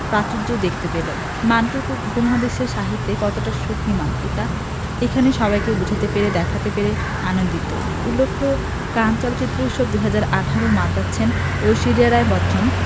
প্রাচুর্যও দেখতে পেল মান্টো উপমহাদেশের সাহিত্যে কতটা শক্তিমান এটা এখানে সবাইকে বোঝাতে পেরে দেখাতে পেরে আনন্দিত উল্লেখ্য কান চলচ্চিত্র উৎসব ২০১৮ মাতাচ্ছেন ঐশ্বরিয়া রাই বচ্চন